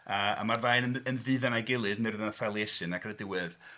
A... a mae'r ddau yn ymddiddan a'i gilydd, Myrddin a Thaliesin, ac yn y diwedd...